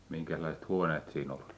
minkäslaiset huoneet siinä oli